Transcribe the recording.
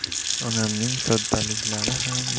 onamning soddaliklari xam